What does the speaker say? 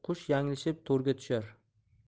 qush yanglishib to'rga tushar